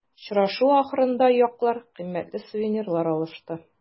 Очрашу ахырында яклар кыйммәтле сувенирлар алышты.